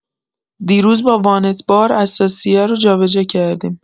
دیروز با وانت‌بار اثاثیه رو جابه‌جا کردیم.